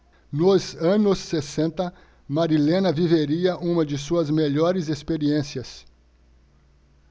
nos anos sessenta marilena viveria uma de suas melhores experiências